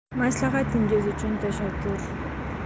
maslahatingiz uchun tashakkur